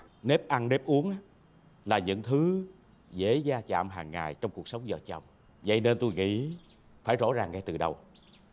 nếp ăn nếp uống là những thứ dễ va chạm hằng ngày trong cuộc sống vợ chồng vậy nên tôi nghĩ phải rõ ràng ngay từ đầu